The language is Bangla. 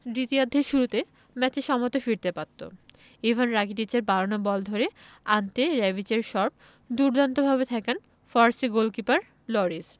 দ্বিতীয়ার্ধের শুরুতেই ম্যাচে সমতা ফিরতে পারত ইভান রাকিতিচের বাড়ানো বল ধরে আন্তে রেবিচের শট দুর্দান্তভাবে ঠেকান ফরাসি গোলকিপার লরিস